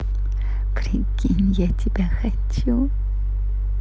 прикинь я тебя хочу